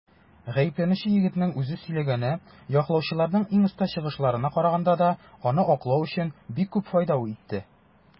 Гаепләнүче егетнең үзе сөйләгәне яклаучыларның иң оста чыгышларына караганда да аны аклау өчен бик күп файда итте.